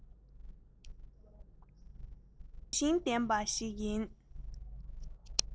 རང བཞིན ལྡན པ ཞིག ཡིན